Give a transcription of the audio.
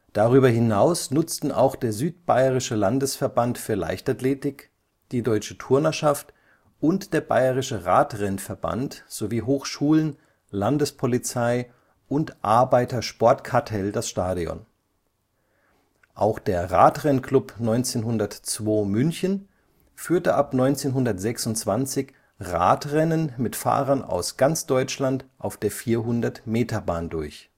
Darüber hinaus nutzten auch der Südbayerische Landesverband für Leichtathletik, die Deutsche Turnerschaft und der Bayerische Radrennverband sowie Hochschulen, Landespolizei und Arbeitersportkartell das Stadion. Auch der Radrennklub 1902 München führte ab 1926 Radrennen mit Fahrern aus ganz Deutschland auf der 400-Meter-Bahn durch